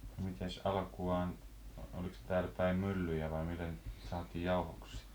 mitenkäs alkuaan olikos täällä päin myllyjä vai miten saatiin jauhoksi sitten